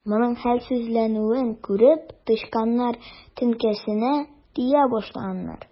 Моның хәлсезләнүен күреп, тычканнар теңкәсенә тия башлаганнар.